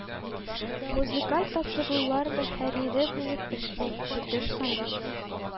Музыкаль тапшырулар мөхәррире булып эшли, бөтенсоюз